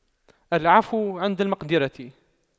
العفو عند المقدرة